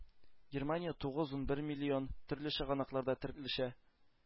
Германия – тугыз-унбер миллион төрле чыганакларда төрлечә